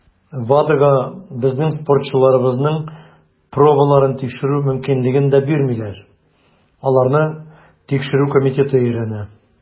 WADAга безнең спортчыларыбызның пробаларын тикшерү мөмкинлеген дә бирмиләр - аларны Тикшерү комитеты өйрәнә.